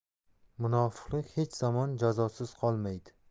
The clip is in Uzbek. munofiqlik hech zamon jazosiz qolmaydi